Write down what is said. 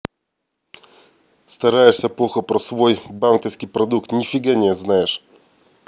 стараешься плохо про свой банковский продукт нифига не знаешь